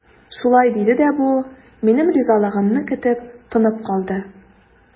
Шулай диде дә бу, минем ризалыгымны көтеп, тынып калды.